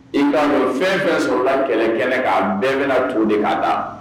I ka fɛn fɛn son la kɛlɛ kɛnɛ k'a bɛɛ bɛna to de ka da